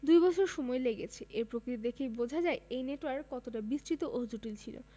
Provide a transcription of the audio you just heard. দুই বছর সময় লেগেছে এর প্রকৃতি দেখেই বোঝা যায় এই নেটওয়ার্ক কতটা বিস্তৃত ও জটিল ছিল